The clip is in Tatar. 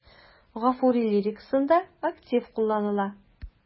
Гафури лирикасында актив кулланыла.